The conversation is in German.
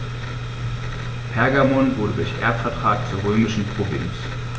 Pergamon wurde durch Erbvertrag zur römischen Provinz.